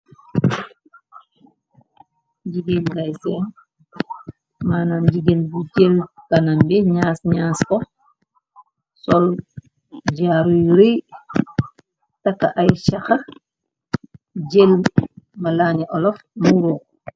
Jigéen gay seen, manam jigéen bu jël kanambe ñaas naas ko, sol jaaruyu re, taka ay chaka jël, malaane olaf muuroo.